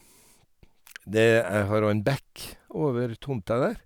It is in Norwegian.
det Jeg har òg en bekk over tomta der.